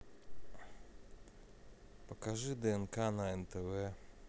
покажи днк на нтв